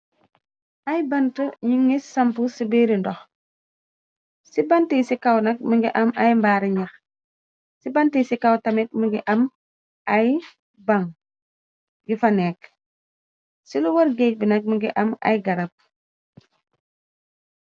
Ay bant ñu ngis samp ci biiri ndox ci bant yi ci kaw nag mi ngi am ay mbaari ñyax ci banti yi ci kaw tamit mi ngi am ay bang yu fa nekk ci lu wër géej bi nag mi ngi am ay garab.